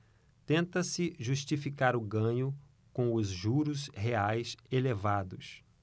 tenta-se justificar o ganho com os juros reais elevados